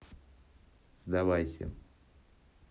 сдавайся